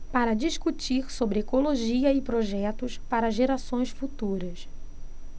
para discutir sobre ecologia e projetos para gerações futuras